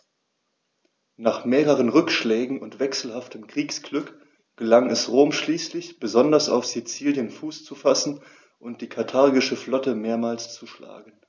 Nach mehreren Rückschlägen und wechselhaftem Kriegsglück gelang es Rom schließlich, besonders auf Sizilien Fuß zu fassen und die karthagische Flotte mehrmals zu schlagen.